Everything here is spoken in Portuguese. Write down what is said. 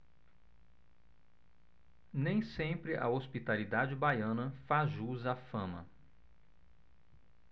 nem sempre a hospitalidade baiana faz jus à fama